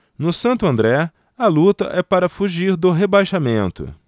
no santo andré a luta é para fugir do rebaixamento